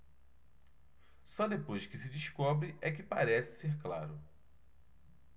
só depois que se descobre é que parece ser claro